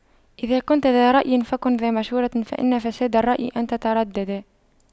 إذا كنتَ ذا رأيٍ فكن ذا مشورة فإن فساد الرأي أن تترددا